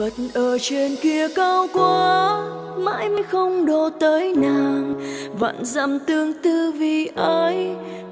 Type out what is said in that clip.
phật ở trên kia cao quá mãi mãi không độ tới nàng vạn dặm tương tư vì ai